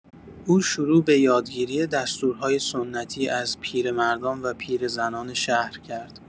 او شروع به یادگیری دستورهای سنتی از پیرمردان و پیرزنان شهر کرد.